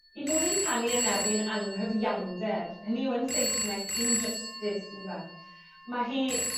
'i bod 'i'n canu yn erbyn anghyfiawnder hynny yw yn Saesneg injustice on'd yfe? Ma' hi